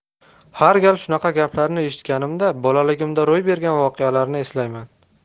har gal shunaqa gaplarni eshitganimda bolaligimda ro'y bergan voqeani eslayman